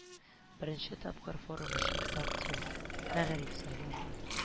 Беренче тапкыр форум өчен тар тема – мәгариф сайланган